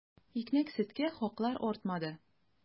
Икмәк-сөткә хаклар артмады.